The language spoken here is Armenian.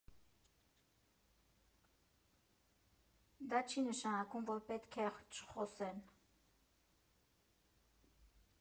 Դա չի նշանակում, որ պետք է չխոսեն։